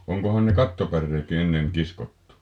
onkohan ne kattopäreetkin ennen kiskottu